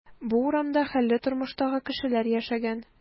Бу урамда хәлле тормыштагы кешеләр яшәгән.